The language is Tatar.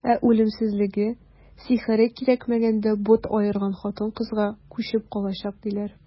Ә үлемсезлеге, сихере кирәкмәгәндә бот аерган кыз-хатынга күчеп калачак, диләр.